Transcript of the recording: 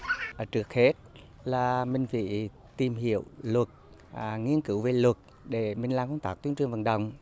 trước hết là mình phải tìm hiểu luật à nghiên cứu về luật để minh lăng tác tuyên truyền vận động